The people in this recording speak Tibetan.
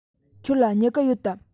ཁྱོད ལ སྨྱུ གུ ཡོད དམ